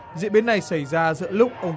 diễn biến này xảy ra giữa lúc qua